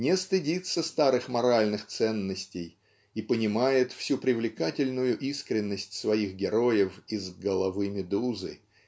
не стыдится старых моральных ценностей и понимает всю привлекательную искренность своих героев и "Головы Медузы"